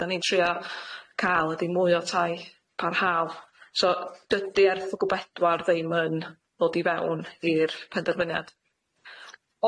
'dan ni'n trio ca'l ydi mwy o tai parhal so dydi erthygw bedwar ddim yn ddod i fewn i'r penderfyniad.